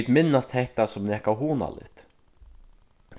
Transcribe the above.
vit minnast hetta sum nakað hugnaligt